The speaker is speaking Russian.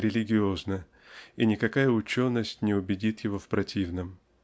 религиозно, и никакая ученость не убедит его в противном